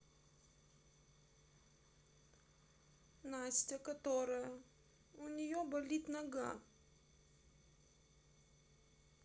настя которая у нее болит нога